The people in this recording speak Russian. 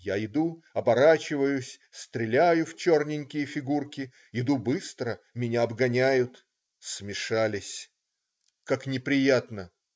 Я иду, оборачиваюсь, стреляю в черненькие фигурки, иду быстро, меня обгоняют. Смешались!. Как неприятно.